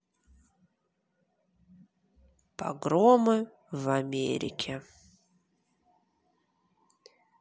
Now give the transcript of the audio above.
погромы в америке